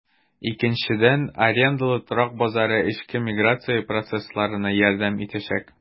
Икенчедән, арендалы торак базары эчке миграция процессларына ярдәм итәчәк.